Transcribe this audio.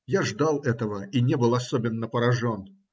я ждал этого и не был особенно поражен.